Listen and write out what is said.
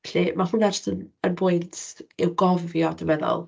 Felly, ma' hwnna jyst yn yn bwynt i'w gofio, dwi'n meddwl.